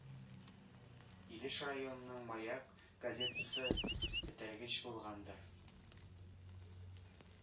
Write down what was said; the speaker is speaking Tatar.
Илеш районының ”Маяк“ газетасы этәргеч булгандыр.